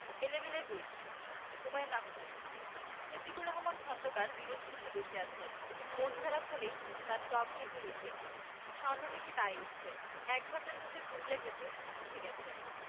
এলেবেলে ২ হুমায়ূন আহমেদ সিদ্দিকুর রহমান খন্দকার বিরস মুখে বসে আছেন মন খারাপ হলেই তাঁর টক ঢেকুর ওঠে সন্ধ্যা থেকে তাই উঠছে এক ঘণ্টার মধ্যে কুড়িটা ঢেকুর ওঠে গেছে